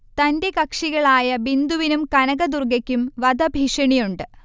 തന്റെ കക്ഷികളായ ബിന്ദുവിനും കനക ദുർഗക്കും വധഭീഷണിയുണ്ട്